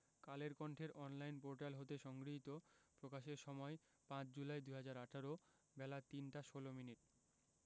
কালের কন্ঠের online portal হতে সংগৃহীত প্রকাশের সময় ৫ জুলাই ২০১৮ বেলা ৩টা ১৬ মিনিট